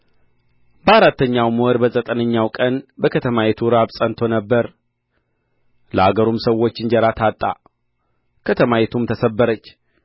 በአራተኛውም ወር በዘጠነኛው ቀን በከተማይቱ ራብ ጸንቶ ነበር ለአገሩም ሰዎች እንጀራ ታጣ ከተማይቱም ተሰበረች